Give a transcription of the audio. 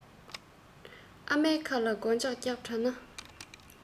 ཨ མའི ཁ ལ སྒོ ལྕགས བརྒྱབ དྲགས ན